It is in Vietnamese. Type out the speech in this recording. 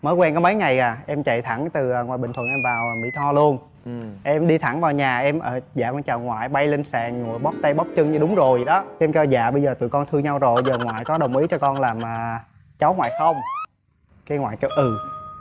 mới quen có mấy ngày à em chạy thẳng từ ngoài bình thuận em vào mỹ tho luôn em đi thẳng vào nhà em dạ con chào ngoại bay lên sàn ngồi bóp tay bóp chân như đúng rồi dậy đó em kêu dạ bây giờ tụi con thương nhau rồi giờ ngoại có đồng ý cho con làm cháu ngoại không cái ngoại kêu ừ